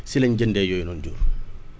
si lañ jëndee yooyu noonu jur